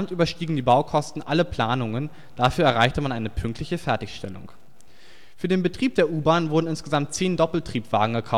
überstiegen die Baukosten alle Planungen, dafür erreichte man eine pünktliche Fertigstellung. Für den Betrieb der U-Bahn wurden insgesamt zehn Doppeltriebwagen